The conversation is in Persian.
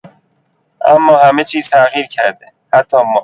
اما همه‌چیز تغییر کرده، حتی ما.